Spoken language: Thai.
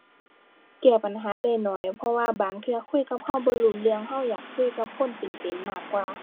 แก้ปัญหาได้น้อย เพราะว่าบางเทื่อคุยกับเราบ่รู้เรื่อง เราอยากคุยกับคนเป็นเป็นมากกว่า